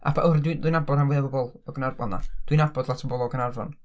A oherwydd dwi dwi'n nabod rhan fwya o bobl o Gaernarfon 'na, dwi'n nabod lot o bobl o Gaernarfon.